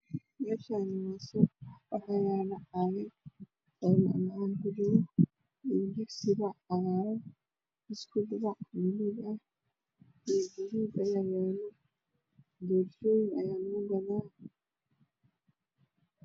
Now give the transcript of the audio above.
Meeshaan suuq waxaa yaalo caagag buluug iyo jibsi cagaaran , buskud buluug iyo gaduud ah ayaa yaalo. Doolshuuyin ayaa lugu gadaa.